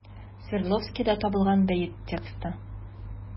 Свердловскида табылган бәет тексты.